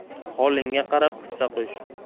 holingga qarab hissa qo'sh